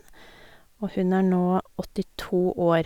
Og hun er nå åttito år.